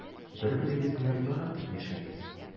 Бер-берегезне яратып яшәгез.